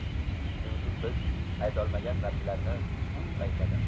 shuning uchun biz aytolmagan narsalarni u aytadi